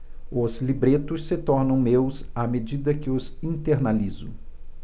os libretos se tornam meus à medida que os internalizo